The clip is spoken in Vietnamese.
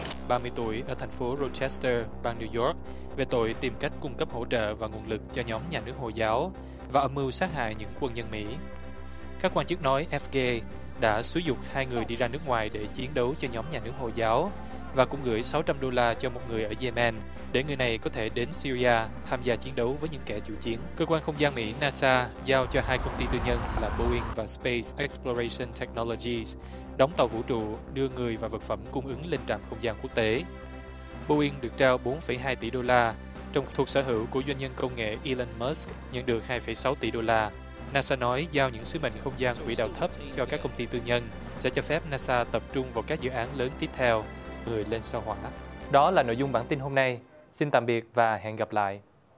ba mươi tuổi ở thành phố rô chét tơ bang niu dóc về tội tìm cách cung cấp hỗ trợ và nguồn lực cho nhóm nhà nước hồi giáo và âm mưu sát hại những quân nhân mỹ các quan chức nói ép ghê đã xúi giục hai người đi ra nước ngoài để chiến đấu cho nhóm nhà nước hồi giáo và cũng gửi sáu trăm đô la cho một người ở de men đến người này có thể đến si ri a tham gia chiến đấu với những kẻ chủ chiến cơ quan không gian mỹ na sa giao cho hai công ty tư nhân là bô ing và sờ pây ích pô rây sần tệch no lo gi đóng tàu vũ trụ đưa người và vật phẩm cung ứng lên trạm không gian quốc tế bô ing được trao bốn phẩy hai tỷ đô la trong thuộc sở hữu của doanh nhân công nghệ i lân mớt xơ nhận được hai phẩy sáu tỷ đô la na sa nói giao những sứ mệnh không gian quỹ đạo thấp cho các công ty tư nhân sẽ cho phép na sa tập trung vào các dự án lớn tiếp theo người lên sao hỏa đó là nội dung bản tin hôm nay xin tạm biệt và hẹn gặp lại